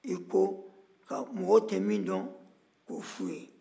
i ko mɔgɔw tɛ min dɔn k'o f'u ye